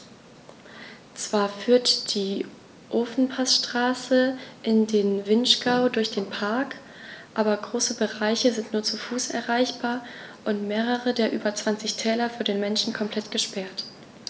Zwar führt die Ofenpassstraße in den Vinschgau durch den Park, aber große Bereiche sind nur zu Fuß erreichbar und mehrere der über 20 Täler für den Menschen komplett gesperrt.